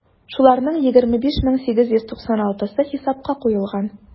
Шуларның 25 мең 896-сы хисапка куелган.